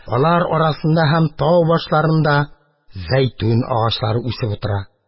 Алар арасында һәм тау башларында зәйтүн агачлары үсеп утыра.